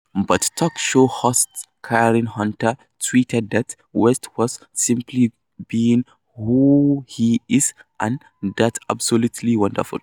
But talk show host Karen Hunter tweeted that West was simply "being who he is and that's absolutely wonderful."